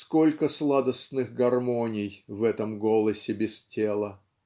Сколько сладостных гармоний В этом голосе без тела!